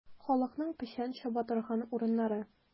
Халыкның печән чаба торган урыннары.